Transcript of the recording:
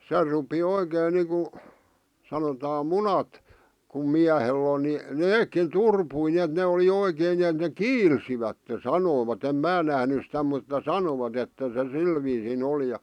se rupesi oikein niin kuin sanotaan munat kun miehellä on niin nekin turposi niin että ne oli oikein niin että ne kiilsivät sanoivat en minä nähnyt sitä mutta sanoivat että se sillä viisiin oli ja